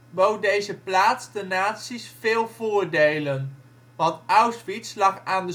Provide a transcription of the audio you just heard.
bood deze plaats de nazi 's veel voordelen, want Auschwitz lag aan